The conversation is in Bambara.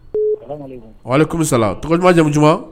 Sa tɔgɔ ɲuman jamu